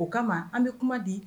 O kama an bɛ kuma di